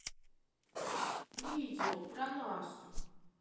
видео про настю